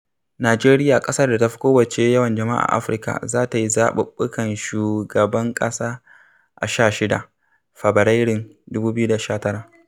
Najeriya, ƙasar da ta fi kowacce yawan jama'a a Afirka, za ta yi zaɓuɓɓukan shugaban ƙasa a 16, Fabarairun 2019.